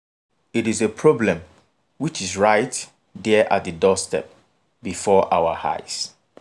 It is a problem which is right there at the doorstep, before our eyes.